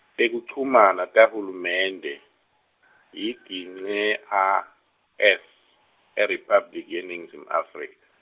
Tekuchumana tahulumende, yi- G ne- I S, IRiphabliki yeNingizimu Afrika.